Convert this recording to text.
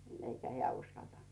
eikä hän uskaltanut